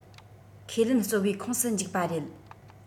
ཁས ལེན གཙོ བོའི ཁོངས སུ འཇུག པ རེད